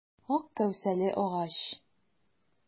Ак кәүсәле агач.